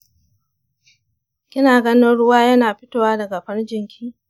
kina ganin ruwa yana fitowa daga farjinki?